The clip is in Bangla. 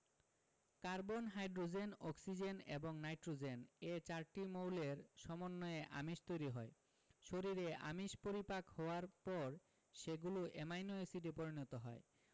কার্বন হাইড্রোজেন অক্সিজেন এবং নাইট্রোজেন এ চারটি মৌলের সমন্বয়ে আমিষ তৈরি হয় শরীরে আমিষ পরিপাক হওয়ার পর সেগুলো অ্যামাইনো এসিডে পরিণত হয়